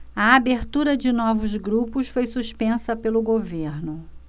a abertura de novos grupos foi suspensa pelo governo